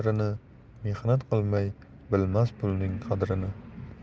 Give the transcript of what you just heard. mehnat qilmay bilmas pulning qadrini